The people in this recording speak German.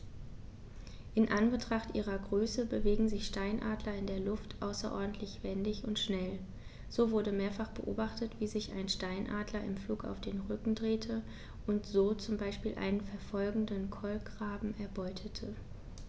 In Anbetracht ihrer Größe bewegen sich Steinadler in der Luft außerordentlich wendig und schnell, so wurde mehrfach beobachtet, wie sich ein Steinadler im Flug auf den Rücken drehte und so zum Beispiel einen verfolgenden Kolkraben erbeutete.